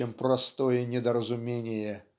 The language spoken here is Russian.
чем простое недоразумение